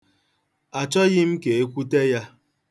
Achọghị m ka e kwute ya.